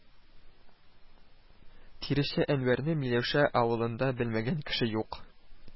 Тирече Әнвәрне Миләүшә авылында белмәгән кеше юк